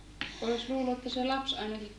olisi luullut että se lapsi ainakin